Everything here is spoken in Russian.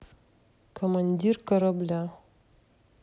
командир корабля